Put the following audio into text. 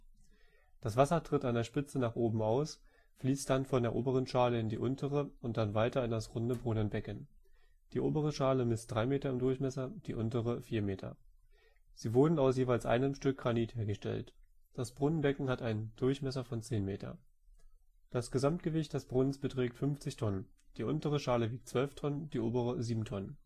Das Wasser tritt an der Spitze nach oben aus, fließt dann von der oberen Schale in die untere und dann weiter in das runde Brunnenbecken. Die obere Schale misst 3 Meter im Durchmesser, die untere 4 Meter. Sie wurden aus jeweils einem Stück Granit hergestellt. Das Brunnenbecken hat einen Durchmesser von 10 Meter. Das Gesamtgewicht des Brunnens beträgt 50 Tonnen. Die untere Schale wiegt 12 Tonnen, die obere 7 Tonnen